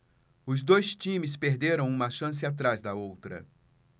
os dois times perderam uma chance atrás da outra